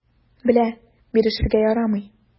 Белә: бирешергә ярамый.